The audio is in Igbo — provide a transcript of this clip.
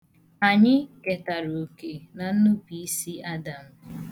Anyi ketara oke na nnupuisi Adam.